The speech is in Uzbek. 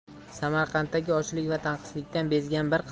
samarqanddagi ochlik va tanqislikdan bezgan bir